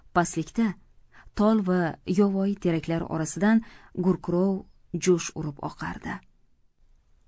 pastlikda tol va yovoyi teraklar orasidan gurkurov jo'sh urib oqardi